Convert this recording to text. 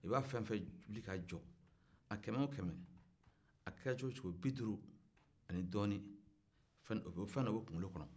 i bɛ fɛn fɛn wili k'a jɔ a kɛmɛ o kɛmɛ a kɛra cogo cogo biduuru ani dɔɔnnin fɛn dɔ fɛn dɔ b'o kunkolo kɔnɔ